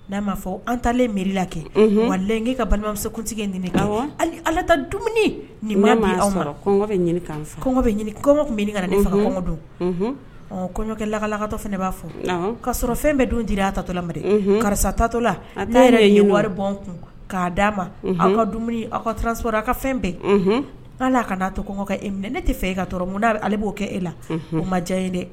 N'a m maa fɔ an talen miirila kɛ wa lenke ka balimamusokuntigi ala ta dumuni nin ma ma bɛgɔ kɔngɔ kana ne kɔngɔ don ɔ kɔɲɔkɛ lakalakatɔ ne b'a fɔ k ka sɔrɔ fɛn bɛɛ don di a tatɔ lame karisa tatɔla n'a yɛrɛ ye wari bɔ kun k'a d di' ma an ka aw kaso a ka fɛn bɛɛ ala a ka n'a to kɔngɔkɛ e mɛ ne tɛ fɛ e ka munda ale b'o kɛ e la u ma diya ye dɛ